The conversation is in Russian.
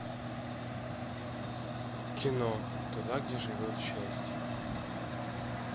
кино туда где живет счастье